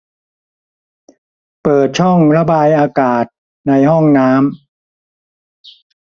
เปิดช่องระบายอากาศในห้องน้ำ